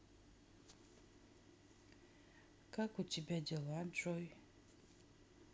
как у тебя дела джой